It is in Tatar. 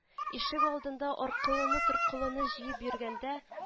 Ишегалдында аркылыны-торкылыны җыеп йөргәндә